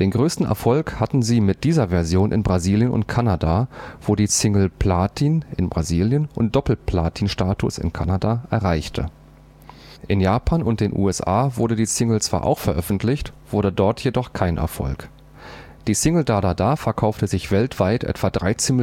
größten Erfolg hatten sie mit dieser Version in Brasilien und Kanada, wo die Single Platin - (Brasilien) und Doppel-Platin-Status (Kanada) erreichte. In Japan und den USA wurde die Single zwar auch veröffentlicht, wurde dort jedoch kein Erfolg. Die Single „ Da da da “verkaufte sich weltweit etwa 13